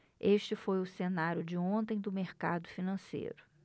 este foi o cenário de ontem do mercado financeiro